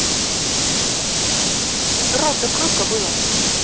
рот закрой кобыла